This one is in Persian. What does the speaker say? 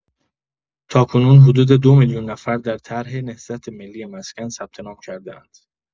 تاکنون حدود ۲ میلیون نفر در طرح نهضت ملی مسکن ثبت‌نام کرده‌اند.